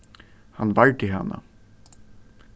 hann vardi hana